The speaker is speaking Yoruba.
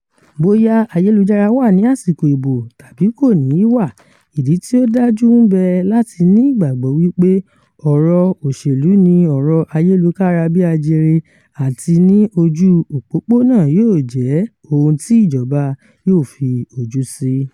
Bó yá ayélujára wà ní àsìkò ìbò tàbí kò ní í wà, ìdí tí ó dájú ń bẹ láti ní ìgbàgbọ́ wípé ọ̀rọ̀ òṣèlú ní orí ayélukára-bí-ajere àti ní ojú òpópónà yóò jẹ́ ohun tí ìjọba yóò fi ojú sí.